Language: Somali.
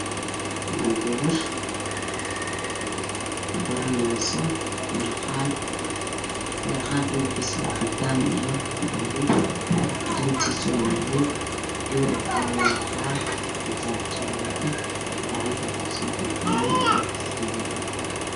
Waa gabar baraneyso harqaan midabkiisu waa cadaan iyo buluug duntiisa waa madow, gabadha waxay wadataa xijaab jaale ah, gacanta waxaa u saaran galoofis gaduudan.